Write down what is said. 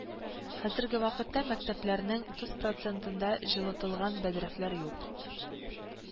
Хәзерге вакытта мәктәпләрнең утыз процентында җылытылган бәдрәфләр юк